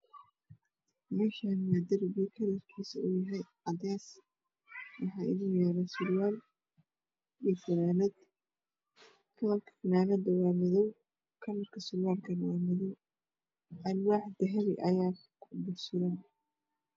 Meeshaan waa darbi oo kalarkiisu uu yahay caddees waxa ugu yeerrey surrwaal iyo fannaanad kallarka fannaanada waa maddow kallarka surwaalka waa maddow alwaax bihilli ayaa ku dugul sugan